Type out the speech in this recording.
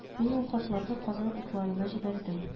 Мин ул хатларны казан утлары на җибәрдем